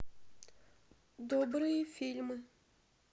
добрые фильмы